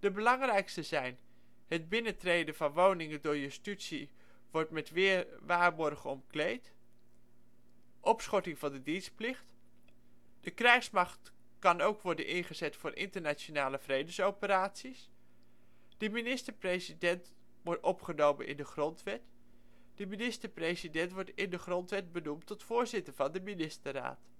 belangrijkste zijn: het binnentreden van woningen door justitie wordt met meer waarborgen omkleed opschorting van de dienstplicht de krijgsmacht kan ook worden ingezet voor internationale vredesoperaties de minister-president opgenomen in de Grondwet de minister-president in de Grondwet benoemd tot voorzitter van de ministerraad